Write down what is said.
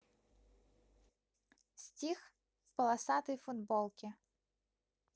стих в полосатой футболке